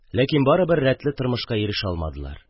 Ләкин барыбер рәтле тормышка ирешә алмадылар